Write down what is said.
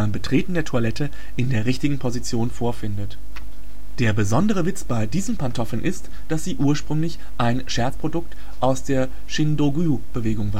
Betreten der Toilette in der richtigen Position vorfindet. Der besondere Witz bei diesen Pantoffeln ist, dass sie ursprünglich ein Scherzprodukt aus der Chindōgu-Bewegung